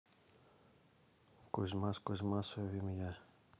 кузьмас кузьмас вимья